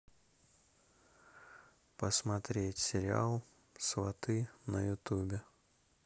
посмотреть сериал сваты на ютубе